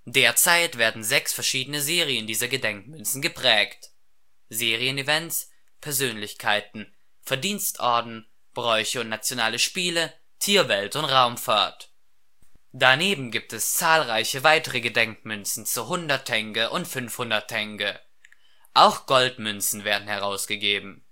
Derzeit werden sechs verschiedene Serien dieser Gedenkmünzen geprägt (Serien Events, Persönlichkeiten, Verdienstorden, Bräuche und Nationale Spiele, Tierwelt und Raumfahrt). Daneben gibt es zahlreiche weitere Gedenkmünzen zu 100 Tenge und 500 Tenge. Auch Goldmünzen werden herausgegeben